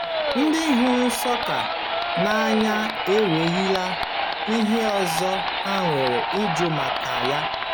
Ndị hụrụ sọka n'anya enweghị ihe ọzọ ha nwere ịjụ maka ya.